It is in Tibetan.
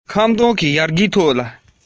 བསྟུན ནས སྐྱུར པོ དང ཁ བའི